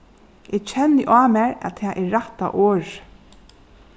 eg kenni á mær at tað er rætta orðið